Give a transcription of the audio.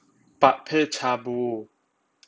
ประเภทชาบู